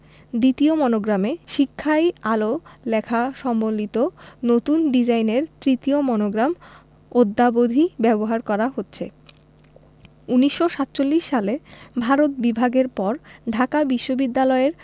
দ্বিতীয় মনোগ্রামে শিক্ষাই আলো লেখা সম্বলিত নতুন ডিজাইনের তৃতীয় মনোগ্রাম অদ্যাবধি ব্যবহার করা হচ্ছে ১৯৪৭ সালে ভারত বিভাগের পর ঢাকা বিশ্ববিদ্যালয়ের